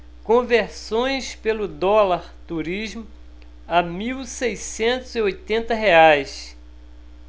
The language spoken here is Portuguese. conversões pelo dólar turismo a mil seiscentos e oitenta reais